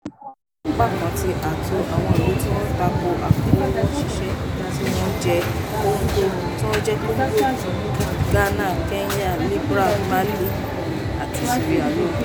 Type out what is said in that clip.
Ní apá kan ni ààtò àwọn ìlú tí wọ́n tako òkòwò ṣíṣe tí wọ́n jẹ́ Congo, Ghana, Kenya, Liberia, Mali àti Sierra Leone.